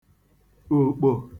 ùkpò